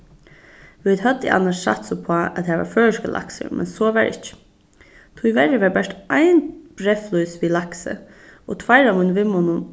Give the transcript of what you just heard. vit høvdu annars satsað uppá at har var føroyskur laksur men so var ikki tíverri var bert ein breyðflís við laksi og tveir av mínum vinmonnum